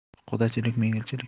qudachilik mingyilchilik